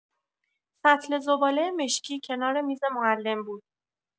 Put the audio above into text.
سطل زباله مشکی کنار میز معلم بود.